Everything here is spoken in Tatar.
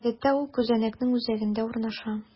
Гадәттә, ул күзәнәкнең үзәгендә урнаша.